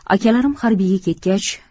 akalarim harbiyga ketgach